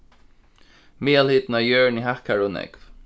miðalhitin á jørðini hækkar ov nógv